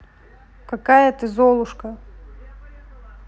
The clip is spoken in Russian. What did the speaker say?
какая ты золушка